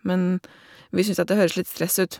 Men vi syns at det høres litt stress ut.